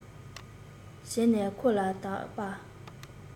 ཟེར ནས ཁོ ལ དག པ